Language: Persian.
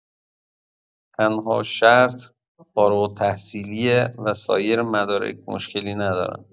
تنها شرط، فارغ‌التحصیلیه و سایر مدارک مشکلی ندارن.